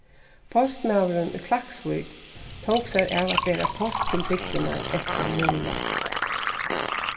postmaðurin í klaksvík tók sær av at bera post til bygdirnar eystan múla